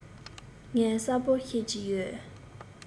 ངས གསལ པོར ཤེས ཀྱི ཡོད